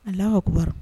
A la ka ku